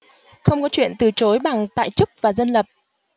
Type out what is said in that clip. không có chuyện từ chối bằng tại chức và dân lập